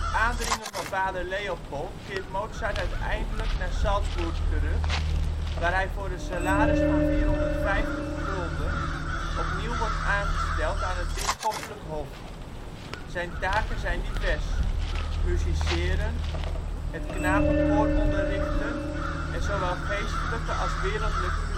aandringen van vader Leopold keert Mozart uiteindelijk naar Salzburg terug waar hij voor een salaris van 450 gulden opnieuw wordt aangesteld aan het bisschoppelijk hof. Zijn taken zijn divers: musiceren, het knapenkoor onderrichten en zowel geestelijke als wereldlijke